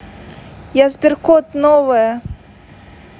я сберкот новая